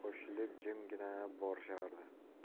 qo'shilib jimgina borishardi